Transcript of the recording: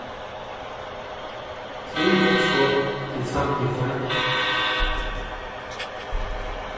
trý uppskot til samtyktar